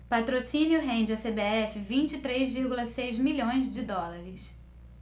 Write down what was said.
patrocínio rende à cbf vinte e três vírgula seis milhões de dólares